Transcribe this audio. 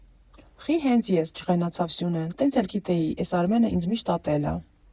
֊ Խի՞ հենց ես, ֊ ջղայնացավ Սյունեն, ֊ տենց էլ գիտեի, էս Արմենը ինձ միշտ ատել ա։